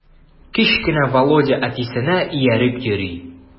Кечкенә Володя әтисенә ияреп йөри.